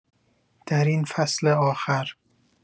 در این فصل آخر